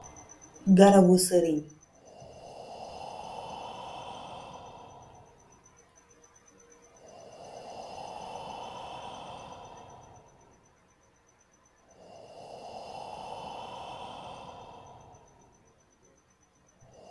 Garrab bou sering